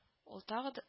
Ул тагыд